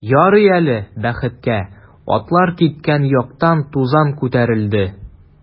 Ярый әле, бәхеткә, атлар киткән яктан тузан күтәрелде.